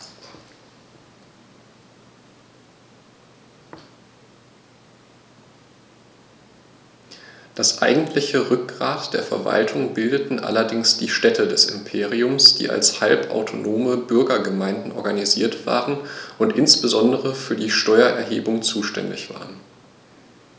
Das eigentliche Rückgrat der Verwaltung bildeten allerdings die Städte des Imperiums, die als halbautonome Bürgergemeinden organisiert waren und insbesondere für die Steuererhebung zuständig waren.